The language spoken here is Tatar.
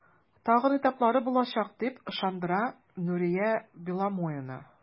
Тагын этаплары булачак, дип ышандыра Нурия Беломоина.